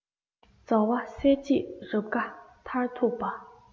མཛའ བ གསལ བྱེད རབ དགའ མཐར ཐུག པ